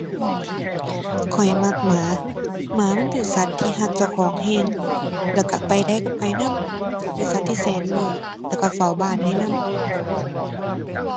ข้อยมักหมา หมามันเป็นสัตว์ที่รักเจ้าของรัก แล้วรักไปใดรักไปนำ เป็นสัตว์ที่แสนรู้แล้วรักเฝ้าบ้านได้นำ